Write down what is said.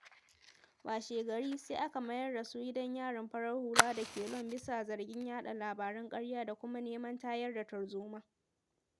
Washe-gari, sai aka mayar da su gidan Yarin farar hula da yake Lomé bisa zargin yaɗa labaran ƙarya da kuma neman tayar da tarzoma.